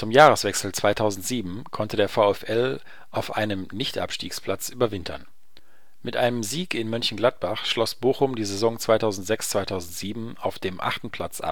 Jahreswechsel 2007 konnte der VfL auf einem Nichtabstiegsplatz überwintern. Mit einem Sieg in Mönchengladbach schloss Bochum die Saison 2006/07 auf dem 8. Platz ab